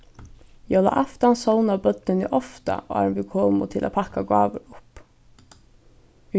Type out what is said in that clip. jólaaftan sovnaðu børnini ofta áðrenn vit komu til at pakka gávur upp